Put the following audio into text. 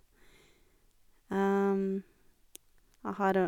Jeg har...